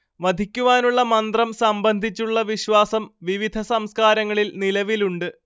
വധിക്കുവാനുള്ള മന്ത്രം സംബന്ധിച്ചുള്ള വിശ്വാസം വിവിധ സംസ്കാരങ്ങളിൽ നിലവിലുണ്ട്